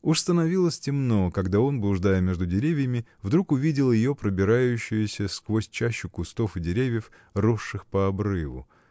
Уж становилось темно, когда он, блуждая между деревьями, вдруг увидел ее пробирающеюся сквозь чащу кустов и деревьев, росших по обрыву.